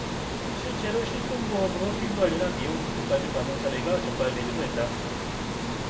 실제로 실손보험으로 피부관리나 미용 수술까지 받는 사례가 적발되기도 했다